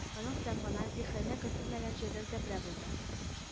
Аның сәмгына, зиһененә көтелмәгән җирдән зарбә булды